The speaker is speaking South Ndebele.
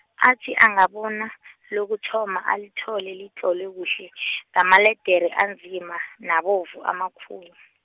athi angabona, lokuthoma alithole litlolwe kuhle , ngamaledere anzima nabovu amakhu-.